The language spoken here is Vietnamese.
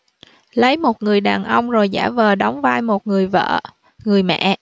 lấy một người đàn ông rồi giả vờ đóng vai một người vợ người mẹ